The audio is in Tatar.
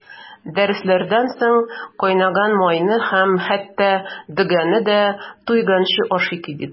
Дәресләрдән соң кайнаган майны һәм хәтта дөгене дә туйганчы ашый идек.